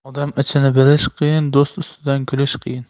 odam ichini bilish qiyin do'st ustidan kulish qiyin